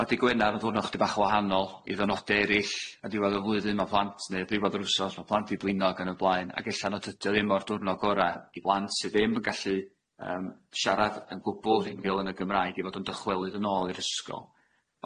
Ma' dydd Gwener yn ddiwrnod 'chydig bach wahanol i ddyrnodia erill a diwadd y flwyddyn ma' plant ne' diwadd yr wsos ma' plant 'di blino ag yn y blaen ag ella na dydi o ddim o'r diwrnod gora' i blant sydd ddim yn gallu yym siarad yn gwbwl wrth rhugl yn y Gymraeg i fod yn dychwelyd yn ôl i'r ysgol.